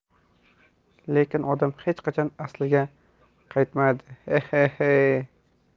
lekin odam hech qachon asliga qaytmaydi eh he he e